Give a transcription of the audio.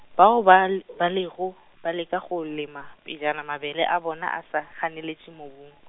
bao ba l- , ba lego, ba leka go lema pejana mabele a bona a sa, ganeletše mobung.